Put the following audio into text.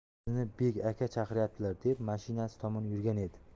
sizni bek aka chaqiryaptilar deb mashinasi tomon yurgan edi